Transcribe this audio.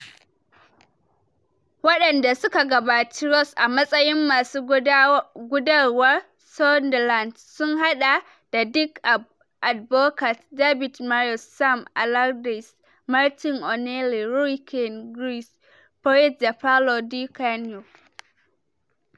Wadanda suka gabaci Ross a matsayin masu gudarwa Sunderland sun hada da Dick Advocaat, David Moyes, Sam Allardyce, Martin O'Neill, Roy Keane, Gus Poyet da Paolo Di Canio.